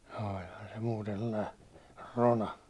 olihan se muuten sellainen rona